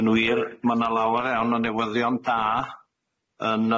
Yn wir ma' 'na lawer iawn o newyddion da yn